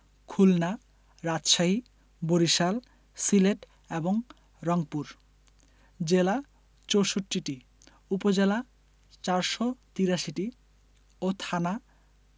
খুলনা রাজশাহী বরিশাল সিলেট এবং রংপুর জেলা ৬৪টি উপজেলা ৪৮৩টি ও থানা